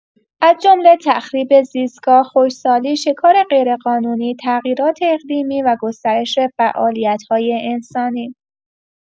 از جمله تخریب زیستگاه، خشکسالی، شکار غیرقانونی، تغییرات اقلیمی و گسترش فعالیت‌های انسانی.